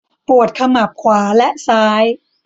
ปวดขมับขวาและซ้าย